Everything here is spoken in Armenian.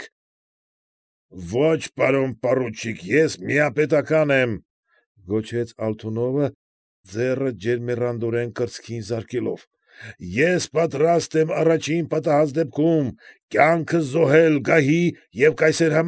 Եք։ ֊ Ո՛չ, պարոն պորուչիկ, ես միապետական եմ,֊ գոչեց Ալթունովը, ձեռը ջերմեռանդորեն կրծքին զարկելով։֊ Ես պատրաստ եմ առաջին պահանջված դեպքում կյանքս զոհել գահի և կայսեր։